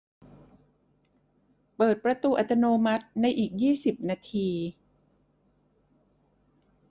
เปิดประตูอัตโนมัติในอีกยี่สิบนาที